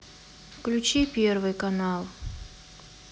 включить первый канал